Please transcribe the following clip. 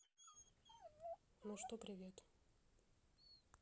ну что привет